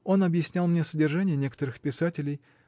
Он объяснял мне содержание некоторых писателей.